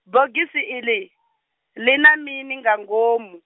bogisi iḽi , lina mini nga ngomu?